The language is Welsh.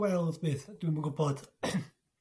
gweld peth dwi'm yn gw'bod